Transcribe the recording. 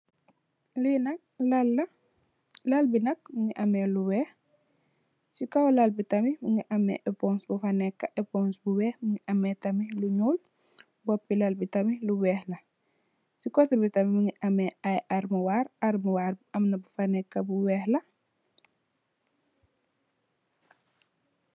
Lii nak lal la, lal bii nak mungy ameh lu wekh, cii kaw lal bi tamit mungi ameh ehponse bufa neka, ehponse bu wekh, mungy ameh tamit lu njull, bopi lal bii tamit lu wekh la, cii coteh bii tamit mungy ameh aiiy armoire, armoire amna bufa neka bu wekh la.